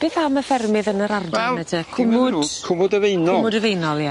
Beth am y ffermydd yn yr ardal nawr te? Cwmwd. Cwmwd y Faenol. Cwmwd y Faenol ie.